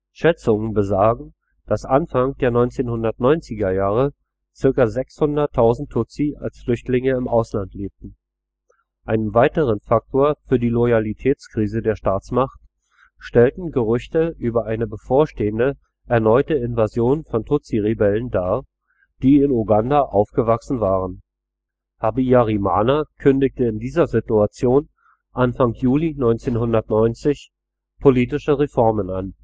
Schätzungen besagen, dass Anfang der 1990er Jahre zirka 600.000 Tutsi als Flüchtlinge im Ausland lebten. Einen weiteren Faktor für die Loyalitätskrise der Staatsmacht stellten Gerüchte über eine bevorstehende, erneute Invasion von Tutsi-Rebellen dar, die in Uganda aufgewachsen waren. Habyarimana kündigte in dieser Situation Anfang Juli 1990 politische Reformen an